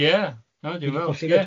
Ie na dwi'n meddwl ie.